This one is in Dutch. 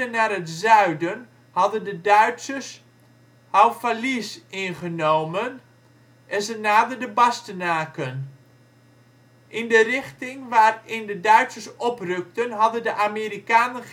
naar het zuiden hadden de Duitsers Houffalize genomen en ze naderden Bastenaken. In de richting waarin de Duitsers oprukten hadden de Amerikanen